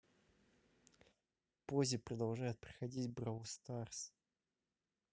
поззи продолжает проходить бравл старс